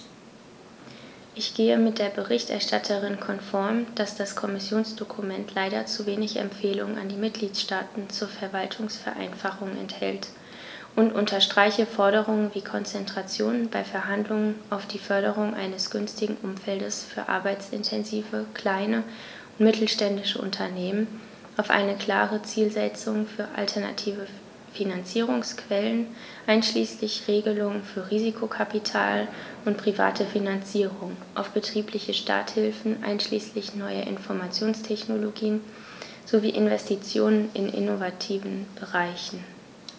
Ich gehe mit der Berichterstatterin konform, dass das Kommissionsdokument leider zu wenig Empfehlungen an die Mitgliedstaaten zur Verwaltungsvereinfachung enthält, und unterstreiche Forderungen wie Konzentration bei Verhandlungen auf die Förderung eines günstigen Umfeldes für arbeitsintensive kleine und mittelständische Unternehmen, auf eine klare Zielsetzung für alternative Finanzierungsquellen einschließlich Regelungen für Risikokapital und private Finanzierung, auf betriebliche Starthilfen einschließlich neuer Informationstechnologien sowie Investitionen in innovativen Bereichen.